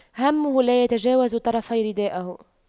همه لا يتجاوز طرفي ردائه